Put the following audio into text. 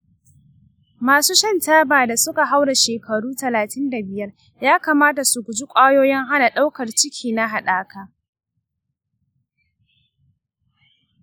masu shan taba da suka haura shekaru talatin da biyar ya kamata su guji ƙwayoyin hana ɗaukar ciki na haɗaka.